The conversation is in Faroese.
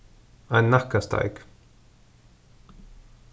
ein nakkasteik